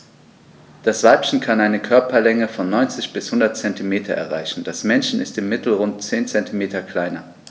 Das Weibchen kann eine Körperlänge von 90-100 cm erreichen; das Männchen ist im Mittel rund 10 cm kleiner.